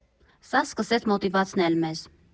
Սա սկսեց մոտիվացնել մեզ։